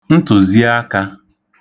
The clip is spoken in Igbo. ntụ̀ziakā